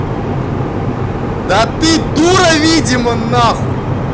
да ты дура видимо